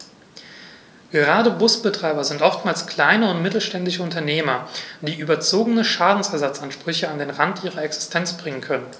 Gerade Busbetreiber sind oftmals kleine und mittelständische Unternehmer, die überzogene Schadensersatzansprüche an den Rand ihrer Existenz bringen können.